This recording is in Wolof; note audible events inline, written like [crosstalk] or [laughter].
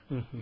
[hesitation] [hesitation]